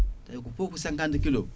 tawi ko foof ko 50 kilos